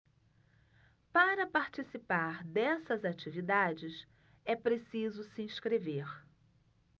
para participar dessas atividades é preciso se inscrever